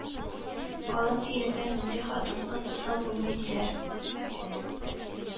Калын иреннәр мондый хатынкыз усал булмый, диләр